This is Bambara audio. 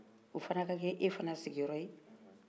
o fana n'a k'e fana sigin yɔrɔ ye